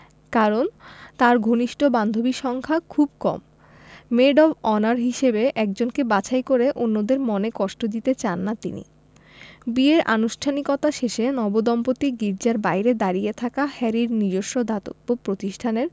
কারণ তাঁর ঘনিষ্ঠ বান্ধবীর সংখ্যা খুব কম মেড অব অনার হিসেবে একজনকে বাছাই করে অন্যদের মনে কষ্ট দিতে চান না তিনি বিয়ের আনুষ্ঠানিকতা শেষে নবদম্পতি গির্জার বাইরে দাঁড়িয়ে থাকা হ্যারির নিজস্ব দাতব্য প্রতিষ্ঠানের